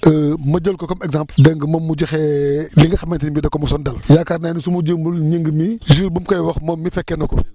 ma jël ko comme exemple dégg nga moom mu joxe li nga xamante ni bii da koo mosoon dal yaakaar naa ni su ma juumul Gningue mii jour bi mu koy wax moom mii fekke na ko